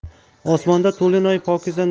osmonda to'lin oy pokiza